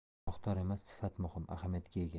miqdor emas sifat muhim ahamiyatga ega